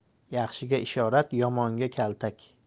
yaxshiga ishorat yomonga kaltak